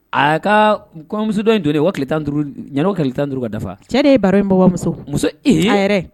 A ka kɔmusodɔn in don ye wa ki ɲ ki tan duuru ka dafa cɛ de ye bara in wamuso muso yɛrɛ